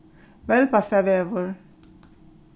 velbastaðvegur